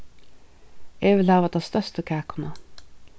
eg vil hava ta størstu kakuna